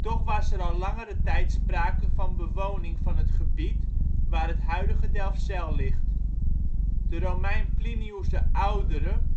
Toch was er al langere tijd sprake van bewoning van het gebied waar het huidige Delfzijl ligt. De Romein Plinius de Oudere